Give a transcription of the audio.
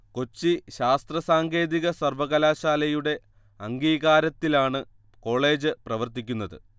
കൊച്ചി ശാസ്ത്ര സാങ്കേതിക സർവ്വകലാശാലയുടെ അംഗീകാരത്തിലാണ് കോളേജ് പ്രവർത്തിക്കുന്നത്